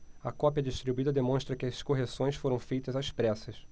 a cópia distribuída demonstra que as correções foram feitas às pressas